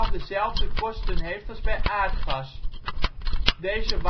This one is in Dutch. dezelfde kosten heeft als bij aardgas. Deze